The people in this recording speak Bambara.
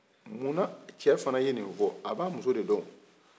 muna cɛ fana ye ni fɔ a ba muso de dɔn